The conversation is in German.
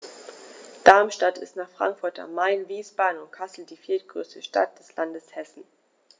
Darmstadt ist nach Frankfurt am Main, Wiesbaden und Kassel die viertgrößte Stadt des Landes Hessen